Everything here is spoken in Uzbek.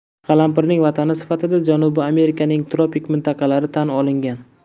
qalampirning vatani sifatida janubiy amerikaning tropik mintaqalari tan olingan